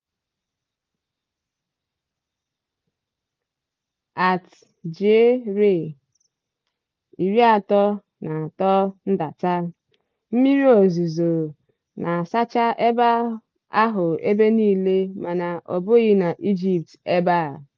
_@gr33ndata : Mmiri ozuzo na-asacha ebe ahụ ebe niile mana ọ bụghị n'Ijipt ebe a.